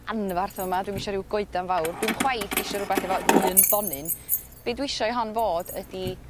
anfarth y' fyma dwi'm isio ryw goedan fawr dwi'm chwaith isio rwbath efo un bonyn be' dwi isio i hon fod ydi